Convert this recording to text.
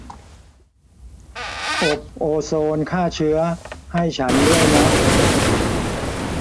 อบโอโซนฆ่าเชื้อให้ฉันด้วยนะ